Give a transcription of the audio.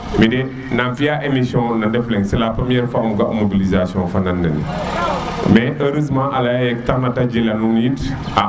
midi nam fi a émission no Ndef leng c' est la première fois um ga mobilisation fa nan nene mais heureusement a leya ye kam ga te jila num yit